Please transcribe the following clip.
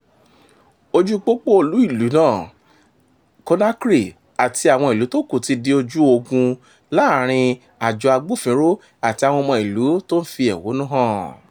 Ojúu pópó olú ìlú náà, Conakry, àti àwọn ìlú tó kù ti di ojú ogun láàárín àjọ agbófinró àti àwọn ọmọ ìlú tó ń fi èhónú hàn.